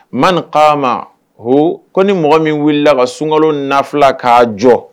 Man kamahu ko ni mɔgɔ min wulila ka sunkalo nafila k'a jɔ